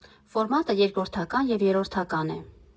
Ֆորմատը երկրորդական և երրորդական է։